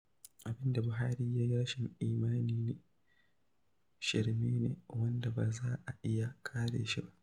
Abin da Buhari ya yi rashin imani ne, shirme ne wanda ba za a iya kare shi ba.